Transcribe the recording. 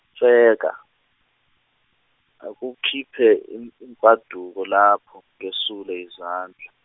Mfeka, akungiphe im- imfaduko lapho ngesule izandla.